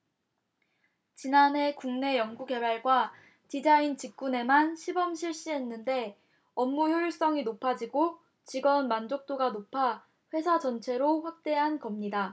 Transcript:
지난해 국내 연구개발과 디자인 직군에만 시범 실시했는데 업무 효율성이 높아지고 직원 만족도가 높아 회사 전체로 확대한 겁니다